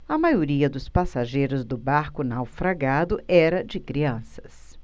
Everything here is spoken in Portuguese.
a maioria dos passageiros do barco naufragado era de crianças